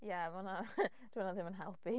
Ie ma' hwnna... dyw hwnna ddim yn helpu.